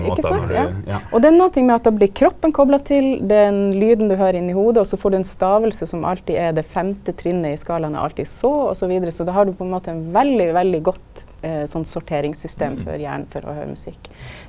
ikkje sant ja og det er nokon ting med at då blir kroppen kopla til den lyden du høyrer inni hovudet, og så får du ei staving som alltid er det femte trinnet i skalaen er alltid så og så vidare, så då har du på ein måte ein veldig veldig godt sånn sorteringssystem for hjernen for å høyra musikk.